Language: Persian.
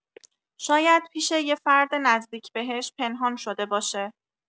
شاید پیش یه فرد نزدیک بهش پنهان شده باشه.